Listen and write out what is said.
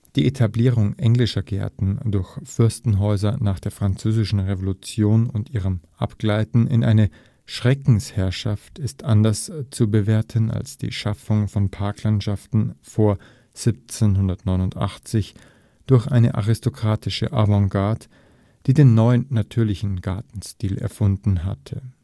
Die Etablierung englischer Gärten durch Fürstenhäuser nach der Französischen Revolution und ihrem Abgleiten in eine Schreckensherrschaft ist anders zu bewerten als die Schaffung von Parklandschaften vor 1789 durch eine aristokratische Avantgarde, die den neuen „ natürlichen “Gartenstil erfunden hatte